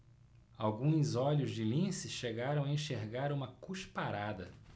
alguns olhos de lince chegaram a enxergar uma cusparada